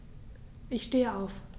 Ich stehe auf.